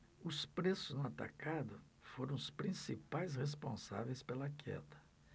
os preços no atacado foram os principais responsáveis pela queda